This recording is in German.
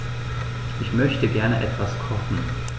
Ich möchte gerne etwas kochen.